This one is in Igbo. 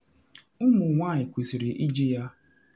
Ụmụ Nwanyị Kwesịrị Iji Ya.